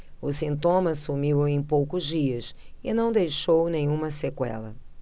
o sintoma sumiu em poucos dias e não deixou nenhuma sequela